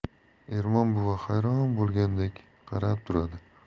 ermon buva hayron bo'lgandek qarab turadi